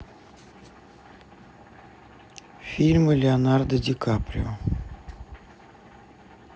фильмы леонардо ди каприо